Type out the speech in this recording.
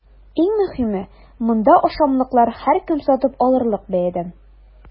Иң мөһиме – монда ашамлыклар һәркем сатып алырлык бәядән!